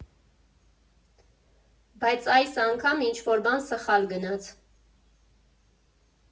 Բայց այս անգամ ինչ֊որ բան սխալ գնաց։